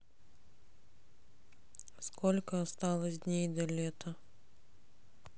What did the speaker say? сколько осталось дней до лета